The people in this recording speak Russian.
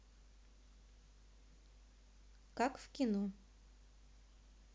как в кино